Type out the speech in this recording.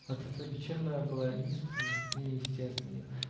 от этого печаль моя была неискренна и неестественна.